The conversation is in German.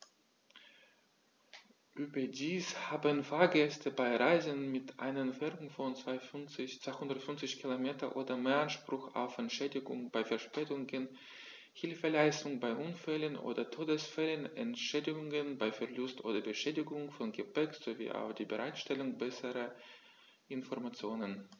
Überdies haben Fahrgäste bei Reisen mit einer Entfernung von 250 km oder mehr Anspruch auf Entschädigung bei Verspätungen, Hilfeleistung bei Unfällen oder Todesfällen, Entschädigung bei Verlust oder Beschädigung von Gepäck, sowie auf die Bereitstellung besserer Informationen.